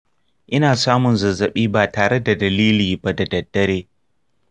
ina samun zazzaɓi ba tare da dalili ba da daddare.